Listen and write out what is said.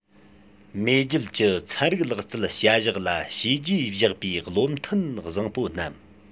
མེས རྒྱལ གྱི ཚན རིག ལག རྩལ བྱ གཞག ལ བྱས རྗེས བཞག པའི བློ མཐུན བཟང པོ རྣམས